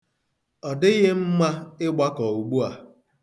Ọ dịghị mma ịgbakọ ugbu a.